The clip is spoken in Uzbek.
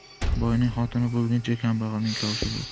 boyning xotini bo'lguncha kambag'alning kavushi bo'l